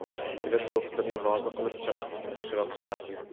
kirib do'xtirni rozi qilib chiq yaxshiroq qarasin